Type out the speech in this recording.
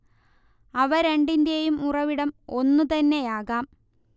അവ രണ്ടിന്റേയും ഉറവിടം ഒന്നുതന്നെയാകാം